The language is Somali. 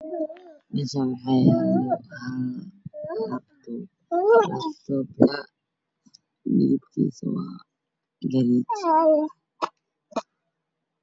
Waxaa ii muuqda laabtoof saaran miis ka kooban madow cadaan buluug derbi wacdaan